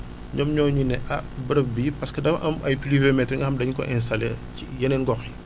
ñoom ñoo ñu ne ah bërëb bii parce que dama am ay pluviométrique yu nga xam dañu ko installé ci yeneen gox yi